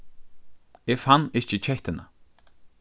eg fann ikki kettuna